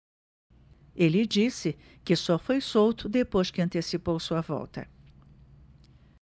ele disse que só foi solto depois que antecipou sua volta